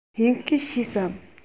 དབྱིན སྐད ཤེས སམ